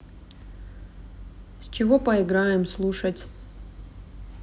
с чего поиграем слушать